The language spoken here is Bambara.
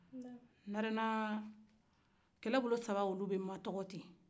narena kɛlɛ bolo saba olu bɛ ma tɔgɔ ten